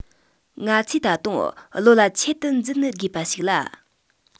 ང ཚོས ད དུང བློ ལ ཆེད དུ འཛིན དགོས པ ཞིག ལ